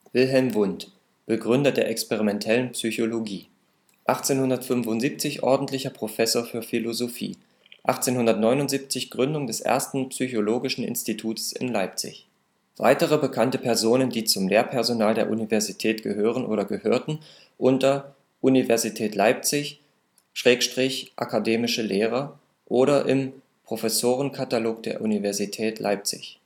Wilhelm Wundt, Begründer der experimentellen Psychologie, 1875 ordentl. Professor für Philosophie, 1879 Gründung des ersten psychologischen Institutes in Leipzig Weitere bekannte Personen die zum Lehrpersonal der Universität gehören/gehörten unter Universität Leipzig/Akademische Lehrer oder im Professorenkatalog der Universität Leipzig